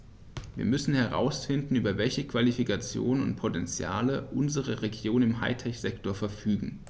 Wir müssen herausfinden, über welche Qualifikationen und Potentiale unsere Regionen im High-Tech-Sektor verfügen.